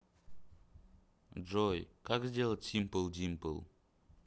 джой как сделать simple dimple